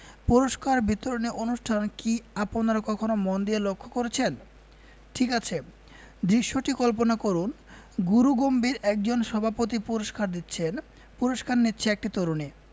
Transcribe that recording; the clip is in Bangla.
পুরস্কার বিতরণী অনুষ্ঠান কি আপনারা কখনো মন দিয়ে লক্ষ্য করেছেন ঠিক আছে দৃশ্যটি কল্পনা করুন গুরুগম্ভীর একজন সভাপতি পুরস্কার দিচ্ছেন পুরস্কার নিচ্ছে একটি তরুণী